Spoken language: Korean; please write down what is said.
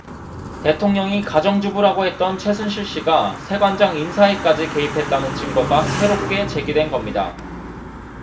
대통령이 가정주부라고 했던 최순실씨가 세관장 인사에까지 개입했다는 증거가 새롭게 제기된겁니다